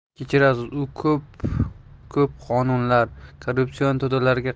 kechirasiz u ko'p ko'p qonunlar korrupsion to'dalarga